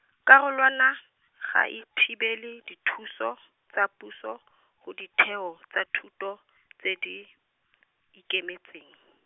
karolwana, ga e thibele dithuso, tsa puso, go ditheo, tsa thuto, tse di, ikemetseng.